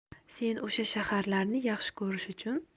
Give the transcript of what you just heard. sen o'sha shaharlarni yaxshi ko'rish uchun